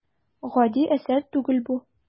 Гади әсәр түгел бу.